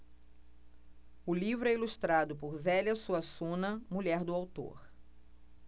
o livro é ilustrado por zélia suassuna mulher do autor